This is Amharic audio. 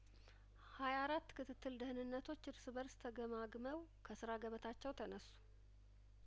ሀያአራት ክትትል ደህንነቶች እርስ በርስ ተገማግመው ከስራ ገበታቸው ተነሱ